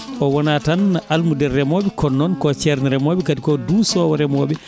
o wonaa tan almudel remooɓe kono noon ko ceerno remooɓe kadi ko duusoowo remooɓe